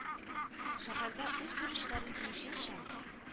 Шәһәрдә үз бурычларын тиешенчә